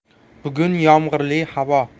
bugun yomg'irli havo